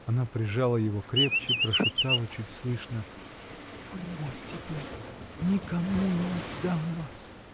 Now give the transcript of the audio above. Она прижала его крепче, прошептала чуть слышно: — Вы мой теперь: никому не отдам вас!.